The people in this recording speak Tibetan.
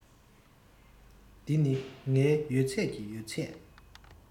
འདི ནི ངའི ཡོད ཚད ཀྱི ཡོད ཚད